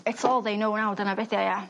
It's all they know now dyna be' 'di o ia?